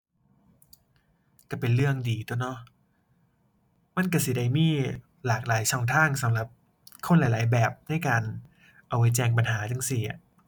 ก็เป็นเรื่องดีตั่วเนาะ มันก็สิได้มีหลากหลายช่องทางสำหรับคนหลายหลายแบบ ในการเอาไว้แจ้งปัญหาจั่งซี้อะ